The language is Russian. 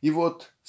и вот